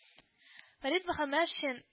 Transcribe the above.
Фәрит Мөхәммәтшин